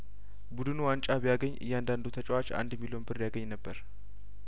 ቡድኑ ዋንጫ ቢያገኝ እያንዳንዱ ተጫዋች አንድ ሚሊዮን ብር ያገኝ ነበር